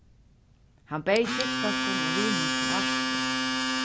hann beyð skyldfólkum og vinum til veitslu